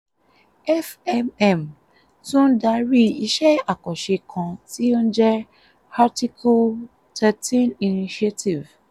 FMM tún ń darí iṣẹ́ àkànṣe kan tí ó ń jẹ́ "Article 13 Initiative"?